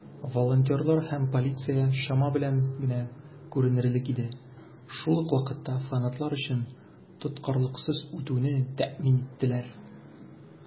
Волонтерлар һәм полиция чама белән генә күренерлек иде, шул ук вакытта фанатлар өчен тоткарлыксыз үтүне тәэмин иттеләр.